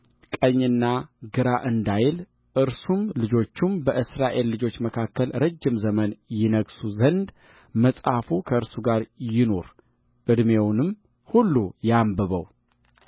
ቀኝና ግራ እንዳይል እርሱም ልጆቹም በእስራኤል ልጆች መካከል ረጅም ዘመን ይነግሡ ዘንድ መጽሐፉ ከእርሱ ጋር ይኑር ዕድሜውንም ሁሉ ያንብበው